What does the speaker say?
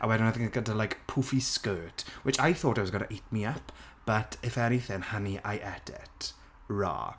a wedyn o'n i gyda like poofy skirt which I thought I was going to eat me up but if anything, honey, I ate it raw.